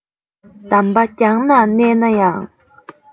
དམ པ རྒྱང ན གནས ན ཡང